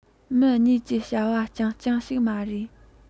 མི གཉིས ཀྱི བྱ བ རྐྱང རྐྱང ཞིག མ རེད